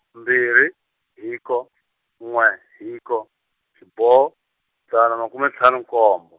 mbirhi hiko n'we hiko xiboho, dzana makume ntlhanu nkombo.